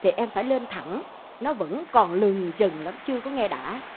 thì em phải lên thẳng nó vẫn còn lừng chừng lắm chưa có nghe đã